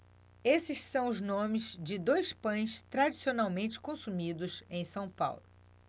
esses são os nomes de dois pães tradicionalmente consumidos em são paulo